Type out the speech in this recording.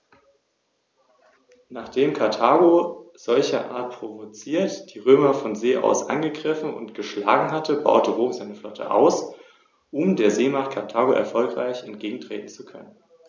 Der Sieg über Karthago im 1. und 2. Punischen Krieg sicherte Roms Vormachtstellung im westlichen Mittelmeer.